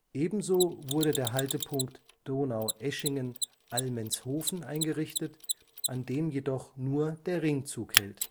Ebenso wurde der Haltepunkt „ Donaueschingen Allmendshofen “eingerichtet, an dem jedoch nur der Ringzug hält